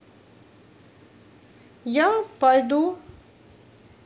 я пойду